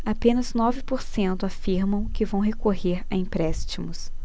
apenas nove por cento afirmam que vão recorrer a empréstimos